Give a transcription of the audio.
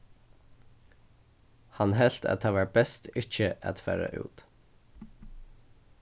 hann helt at tað var best ikki at fara út